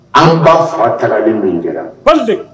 An ba fa tagali min kɛra, balide